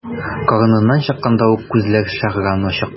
Карыныннан чыкканда ук күзләр шәрран ачык.